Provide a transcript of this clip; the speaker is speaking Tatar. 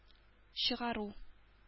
Чыгару